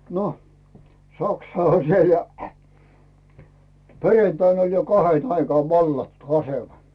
no saksa oli siellä ja perjantaina oli jo kahden aikaan vallattu asema